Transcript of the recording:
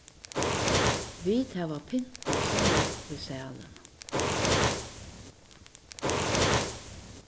vit hava pyntað so nógv í salinum